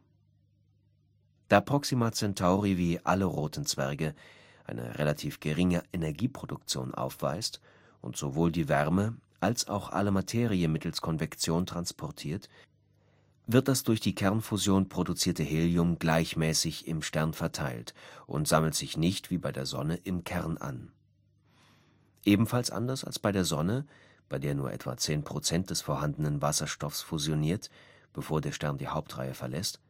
Da Proxima Centauri wie alle roten Zwerge eine relativ geringe Energieproduktion aufweist und sowohl die Wärme als auch alle Materie mittels Konvektion transportiert, wird das durch die Kernfusion produzierte Helium gleichmäßig im Stern verteilt und sammelt sich nicht, wie bei der Sonne, im Kern an. Ebenfalls anders als bei der Sonne, bei der nur etwa 10 % des vorhandenen Wasserstoffs fusioniert, bevor der Stern die Hauptreihe verlässt